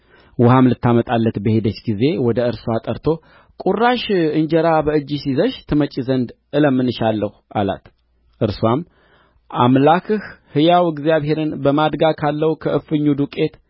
ውኃም ልታመጣለት በሄደች ጊዜ ወደ እርስዋ ጠርቶ ቁራሽ እንጀራ በእጅሽ ይዘሽ ትመጭ ዘንድ እለምንሻለሁ አላት እርስዋም አምላክህ ሕያው እግዚአብሔርን በማድጋ ካለው ከእፍኝ ዱቄት